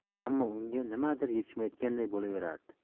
ammo unga nimadir yetishmayotganday bo'laverardi